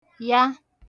ya